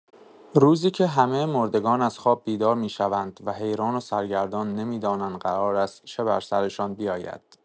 روزی که همه مردگان از خواب بیدار می‌شوند و حیران و سرگردان نمی‌دانند قرار است چه بر سرشان بیاید.